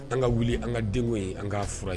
An ka wuli an ka denw ye an ka fura ye